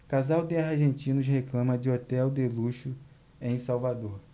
casal de argentinos reclama de hotel de luxo em salvador